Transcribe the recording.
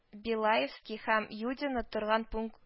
Билаевский һәм Юдино торган пунк